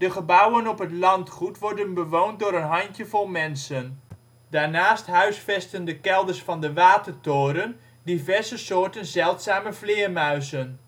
gebouwen op het landgoed worden bewoond door een handjevol mensen. Daarnaast huisvesten de kelders van de watertoren diverse soorten zeldzame vleermuizen